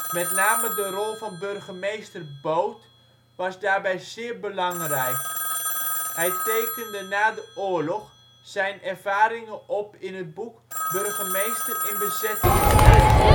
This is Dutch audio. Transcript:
Met name de rol van burgemeester Boot was daarbij zeer belangrijk. Hij tekende na de oorlog zijn ervaringen op in het boek Burgemeester in bezettingstijd